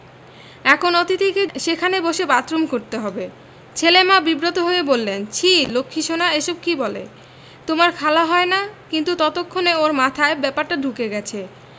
এখন অতিথিকে সেখানে বসে বাথরুম করতে হবে ছেলের মা বিব্রত হয়ে বললেন ছিঃ লক্ষীসোনা এসব কি বলে তোমার খালা হয় না কিন্তু ততক্ষণে ওর মাথায় ব্যাপারটা ঢুকে গেছে